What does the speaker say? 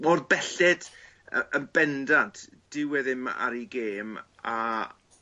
mor belled y- yn bendant dyw e ddim ar 'i gêm a